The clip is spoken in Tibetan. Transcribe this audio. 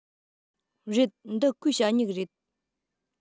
རེད འདི ཁོའི ཞ སྨྱུག རེད